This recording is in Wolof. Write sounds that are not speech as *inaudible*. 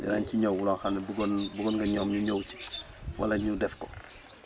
dinañ ci ñëw loo xam ne bëggoon *noise* bëggoon nga ñoom ñu ñëw ci *noise* wala ñu def ko *noise*